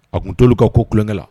A tun' ka ko kukɛ la